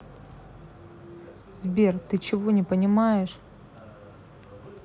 сбер ты чего не понимаешь